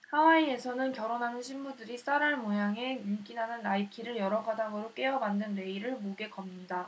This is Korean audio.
하와이에서는 결혼하는 신부들이 쌀알 모양의 윤기 나는 라이키를 여러 가닥으로 꿰어 만든 레이를 목에 겁니다